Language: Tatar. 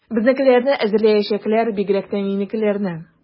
Безнекеләрне эзәрлекләячәкләр, бигрәк тә минекеләрне.